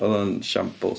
Oedd o'n shambles.